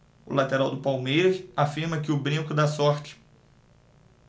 o lateral do palmeiras afirma que o brinco dá sorte